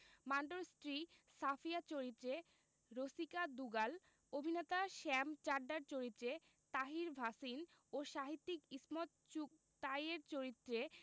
মান্টোর স্ত্রী সাফিয়া চরিত্রে রসিকা দুগাল অভিনেতা শ্যাম চাড্ডার চরিত্রে তাহির ভাসিন ও সাহিত্যিক ইসমত চুগতাইয়ের চরিত্রে